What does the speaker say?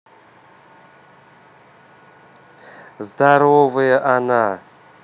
здоровое она